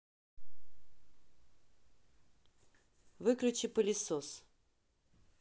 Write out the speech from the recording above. выключи пылесос